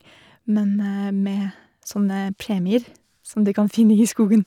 Men med sånne premier som du kan finne i skogen.